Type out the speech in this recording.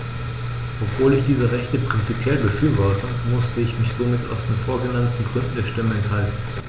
Obwohl ich diese Rechte prinzipiell befürworte, musste ich mich somit aus den vorgenannten Gründen der Stimme enthalten.